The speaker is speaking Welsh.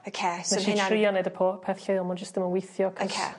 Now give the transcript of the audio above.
Oce so 'di hynna'n... Nesh i trio neud y po- peth lleol ma'n jyst ddim yn weithio ac'os... Oce.